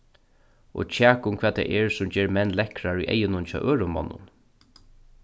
og kjak um hvat tað er sum ger menn lekkrar í eygunum hjá øðrum monnum